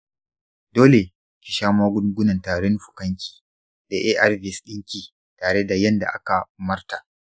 dole ki sha magungunan tarin fukan ki da arvs ɗinki tare yanda aka umurta.